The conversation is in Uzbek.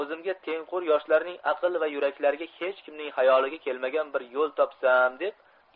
o'zimga tengqur yoshlarning aql va yuraklariga hech kimning hayoliga kelmagan bir yo'l topsam deb